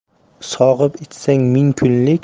sog'ib ichsang ming kunlik